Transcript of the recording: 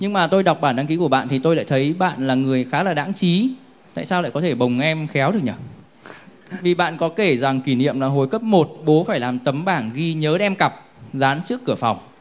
nhưng mà tôi đọc bản đăng ký của bạn thì tôi lại thấy bạn là người khá là đãng trí tại sao lại có thể bồng em khéo được nhở vì bạn có kể rằng kỷ niệm là hồi cấp một bố phải làm tấm bảng ghi nhớ đem cặp dán trước cửa phòng